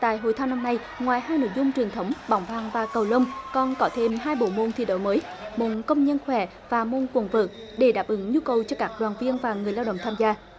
tại hội thao năm nay ngoài hai nội dung truyền thống bóng bàn và cầu lông còn có thêm hai bộ môn thi đấu mới môn công nhân khỏe và môn quần vợt để đáp ứng nhu cầu cho các đoàn viên và người lao động tham gia